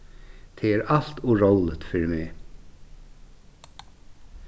tað er alt ov róligt fyri meg